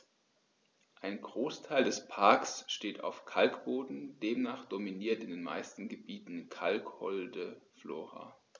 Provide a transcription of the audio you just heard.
Ein Großteil des Parks steht auf Kalkboden, demnach dominiert in den meisten Gebieten kalkholde Flora.